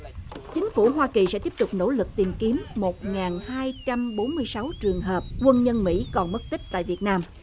chính phủ hoa kỳ sẽ tiếp tục nỗ lực tìm kiếm một ngàn hai trăm bốn mươi sáu trường hợp quân nhân mỹ còn mất tích tại việt nam